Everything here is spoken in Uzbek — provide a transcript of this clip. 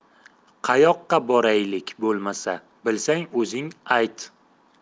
qayoqqa boraylik bo'lmasa bilsang o'zing ayt